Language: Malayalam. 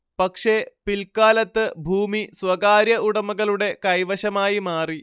പക്ഷേ പിൽക്കാലത്ത് ഭൂമി സ്വകാര്യ ഉടമകളുടെ കൈവശമായി മാറി